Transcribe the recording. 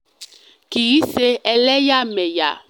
Kì í ṣe ẹlẹ́yàmẹyá̀.